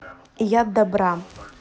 яд добра